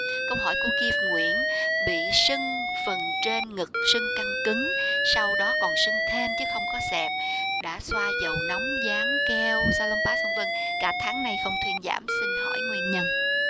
câu hỏi của ki nguyễn bị xưng phần trên ngực xưng căng cứng sau đó còn xưng thêm chứ không có xẹp đã xoa dầu nóng dán keo xa lông bát vân vân cả tháng nay không thuyên giảm xin hỏi nguyên nhân